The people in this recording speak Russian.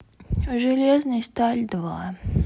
железный сталь два